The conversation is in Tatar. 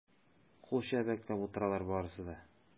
Кул чәбәкләп утыралар барысы да.